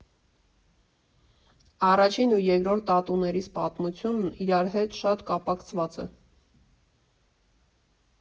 Առաջին ու երկրորդ տատուներիս պատմությունն իրար հետ շատ կապակցված է։